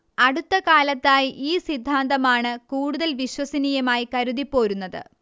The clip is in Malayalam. അടുത്ത കാലത്തായി ഈ സിദ്ധാന്തമാണ് കൂടുതൽ വിശ്വസനീയമായി കരുതിപ്പോരുന്നത്